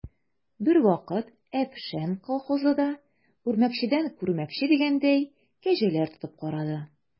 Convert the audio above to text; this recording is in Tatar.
Бервакыт «Әпшән» колхозы да, үрмәкчедән күрмәкче дигәндәй, кәҗәләр тотып карады.